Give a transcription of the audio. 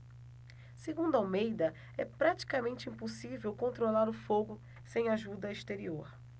segundo almeida é praticamente impossível controlar o fogo sem ajuda exterior